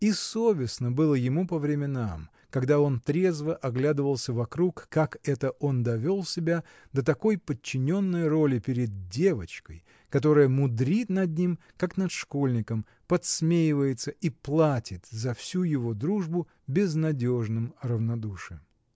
И совестно было ему по временам, когда он трезво оглядывался вокруг, как это он довел себя до такой подчиненной роли перед девочкой, которая мудрит над ним, как над школьником, подсмеивается и платит за всю его дружбу безнадежным равнодушием?